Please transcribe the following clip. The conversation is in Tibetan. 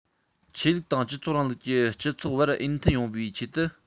ཆོས ལུགས དང སྤྱི ཚོགས རིང ལུགས ཀྱི སྤྱི ཚོགས བར འོས མཐུན ཡོང བའི ཆེད དུ